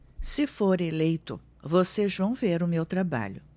se for eleito vocês vão ver o meu trabalho